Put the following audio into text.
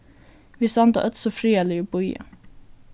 vit standa øll so friðarlig og bíða